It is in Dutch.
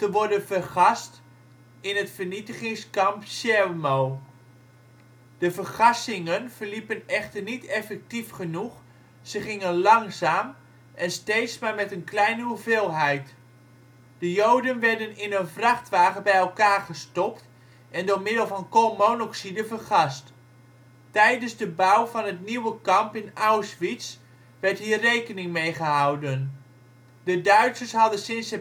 worden vergast in het vernietigingskamp Chełmno. De vergassingen verliepen echter niet effectief genoeg, ze gingen langzaam en steeds maar met een kleine hoeveelheid: de Joden werden in een vrachtwagen bij elkaar gestopt en door middel van koolmonoxide vergast. Tijdens de bouw van het nieuwe kamp in Auschwitz werd hier rekening mee gehouden. De Duitsers hadden sinds